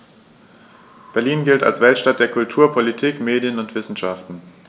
Berlin gilt als Weltstadt der Kultur, Politik, Medien und Wissenschaften.